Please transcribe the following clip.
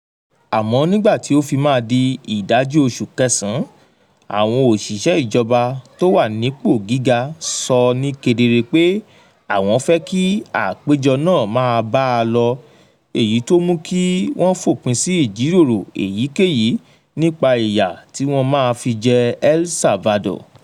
Àmọ́ nígbà tó fi máa di ìdajì oṣù kẹsàn-án, àwọn òṣìṣẹ́ ìjọba tó wà nípò gíga sọ ní kedere pé àwọn fẹ́ kí àpéjọ náà máa bá a lọ, èyí tó mú kí wọ́n fòpin sí ìjíròrò èyíkéyìí nípa ìyà tí wọ́n máa fi jẹ El Salvador.